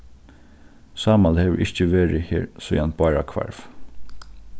sámal hevur ikki verið her síðan bára hvarv